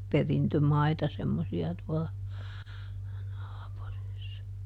perintömaita semmoisia tuolla naapurissa